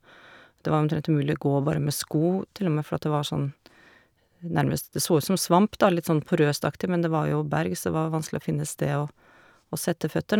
Det var omtrent umulig å gå bare med sko, til og med, for at det var sånn nærmest, det så ut som svamp, da, litt sånn porøst-aktig, men det var jo berg, så det var vanskelig å finne sted å å sette føttene.